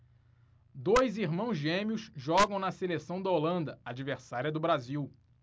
dois irmãos gêmeos jogam na seleção da holanda adversária do brasil